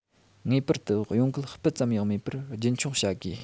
ངེས པར དུ གཡོ འགུལ སྤུ ཙམ ཡང མེད པར རྒྱུན འཁྱོངས བྱ དགོས